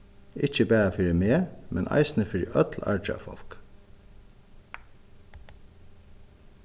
ikki bara fyri meg men eisini fyri øll argjafólk b